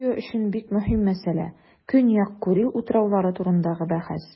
Токио өчен бик мөһим мәсьәлә - Көньяк Курил утраулары турындагы бәхәс.